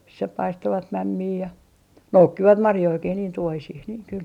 missä paistoivat mämmiä ja noukkivat marjojakin niin tuohisiin niin kyllä